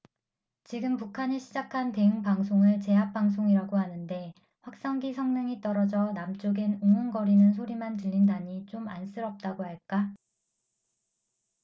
지금 북한이 시작한 대응 방송을 제압방송이라고 하는데 확성기 성능이 떨어져 남쪽엔 웅웅거리는 소리만 들린다니 좀 안쓰럽다고 할까